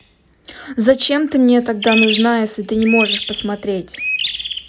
зачем ты мне тогда нужна если ты не можешь посмотреть